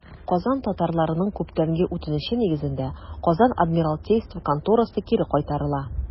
Казан татарларының күптәнге үтенече нигезендә, Казан адмиралтейство конторасы кире кайтарыла.